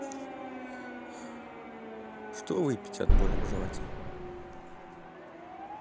что выпить от боли в животе